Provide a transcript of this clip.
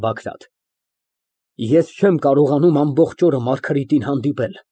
ԲԱԳՐԱՏ ֊ Ես չեմ կարողանում ամբողջ օրը Մարգարիտին հանդիպել։